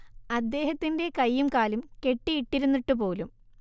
അദ്ദേഹത്തിന്റെ കൈയും കാലും കെട്ടിയിട്ടിരുന്നിട്ടുപോലും